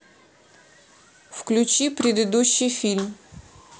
включи предыдущий фильм